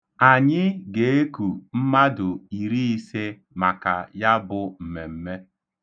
Anyị ga-eku mmadụ 50 maka ya bụ mmemme.